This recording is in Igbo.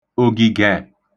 ògìgẹ̀